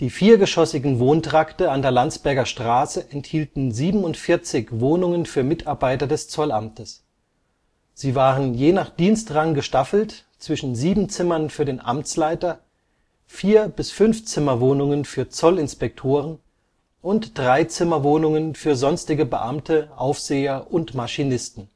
viergeschossigen Wohntrakte an der Landsberger Straße enthielten 47 Wohnungen für Mitarbeiter des Zollamtes. Sie waren je nach Dienstrang gestaffelt zwischen sieben Zimmern für den Amtsleiter, Vier – bis Fünf-Zimmerwohnungen für Zollinspektoren und Drei-Zimmerwohnungen für sonstige Beamte, Aufseher und Maschinisten